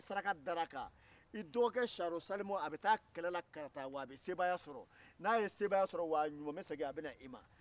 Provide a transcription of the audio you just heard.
ni saraka dara a kan i dɔgɔkɛ siyanro salimu ɲuman bɛ taa kɛlɛ la karata a ɲuman bɛ segin